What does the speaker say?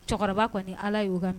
Cɛkɔrɔba kɔni Ala y'o ka